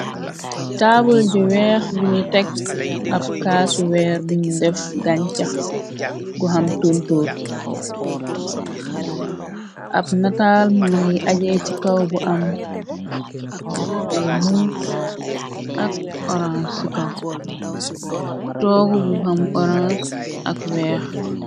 Taabal ju weex juñu teg ab kaasu weer buñu def gañchax gu am tuntur, ab nataal moo ngi ajee ci kaw bu am ay mous ak orange ci kaw. toogu bu am orange ak weex.